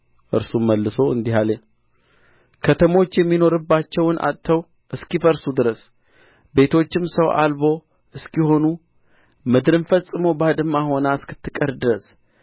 እርሱም መልሶ እንዲህ አለ ከተሞች የሚኖርባቸውን አጥተው እስኪፈርሱ ድረስ ቤቶችም ሰው አልቦ እስኪሆኑ ምድርም ፈጽሞ ባድማ ሆና እስክትቀር ድረስ